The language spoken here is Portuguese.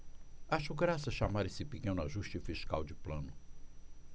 acho graça chamar esse pequeno ajuste fiscal de plano